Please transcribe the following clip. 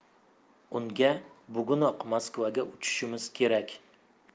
unda bugunoq moskvaga uchishimiz kerak